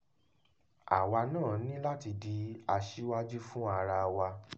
Àwa náà ní láti di aṣíwájú fún ara wa.